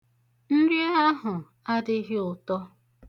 Nri ahụ adịghị ụtọ.